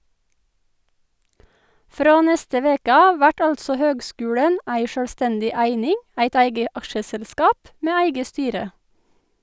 Frå neste veke av vert altså høgskulen ei sjølvstendig eining, eit eige aksjeselskap med eige styre.